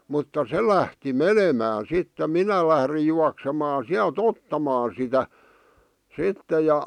mutta se lähti menemään sitten minä lähdin juoksemaan sieltä ottamaan sitä sitten ja